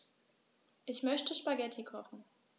Ich möchte Spaghetti kochen.